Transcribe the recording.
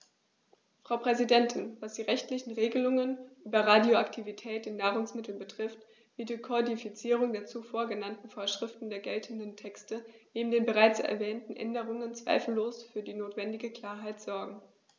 Frau Präsidentin, was die rechtlichen Regelungen über Radioaktivität in Nahrungsmitteln betrifft, wird die Kodifizierung der zuvor genannten Vorschriften der geltenden Texte neben den bereits erwähnten Änderungen zweifellos für die notwendige Klarheit sorgen.